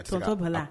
Sokɛ bala